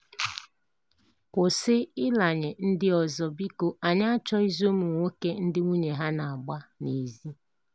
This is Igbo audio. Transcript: Kwụsị ịranye ndị ọzọ, biko anyị achọghịzị ụmụ nwoke ndị nwunye ha na-agba n'ezi.